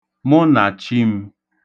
Mụnàchim̄sò